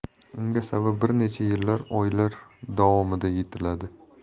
unga sabab bir necha yillar oylar davomida yetiladi